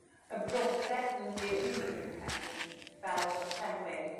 y brotest yn fyw i ni dwi'n credu fel darllenwyr.